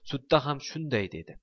sudda ham shunday dedi